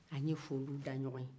an ye foliw da ɲɔgɔn ye